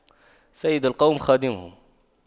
سيد القوم خادمهم